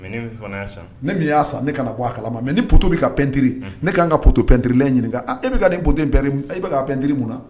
Mɛ ne min y'a san ne kana na bɔ a kala ma mɛ ni pto bɛ ka ptiriri ne k'an ka ptoptiri ɲini e bɛka kato e bɛ ka p nptiriri mun na